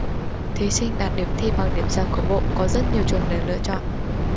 thí sinh đạt điểm thi bằng điểm sàn của bộ có rất nhiều trường để lựa chọn